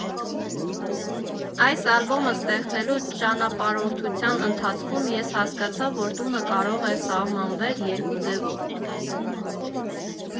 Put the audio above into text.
Այս ալբոմը ստեղծելու ճանապարհորդության ընթացքում ես հասկացա, որ տունը կարող է սահմանվել երկու ձևով։